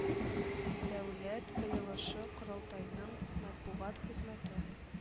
Дәүләт ыелышы-корылтайның матбугат хезмәте